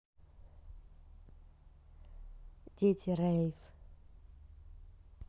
дети rave